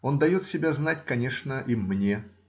Он дает себя знать, конечно, и мне.